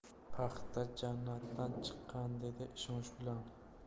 paxta jannatdan chiqqan dedi ishonch bilan